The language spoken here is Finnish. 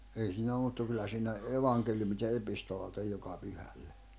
ei siinä ole mutta kyllä siinä evankeliumit ja epistolat on joka pyhälle